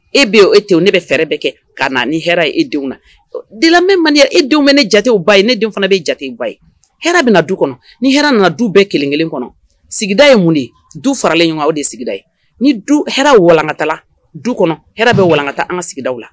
E bi e te ne bɛ fɛɛrɛ bɛ kɛ'a na ni hɛrɛ ye e denw na dibe man e denw bɛ ne jatew ba ye ne den fana bɛ jatew ba ye hɛrɛ bɛ na du kɔnɔ ni hɛrɛ nana du bɛɛ kelenkelen kɔnɔ sigida ye mun de ye du faralen ɲɔgɔn o de sigida ye ni du h walankatala du kɔnɔ h bɛ walankata an ka sigidaw la